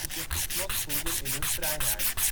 voelden in hun vrijheid